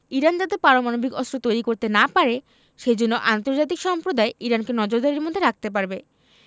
Iran যাতে পারমাণবিক অস্ত্র তৈরি করতে না পারে সে জন্য আন্তর্জাতিক সম্প্রদায় ইরানকে নজরদারির মধ্যে রাখতে পারবে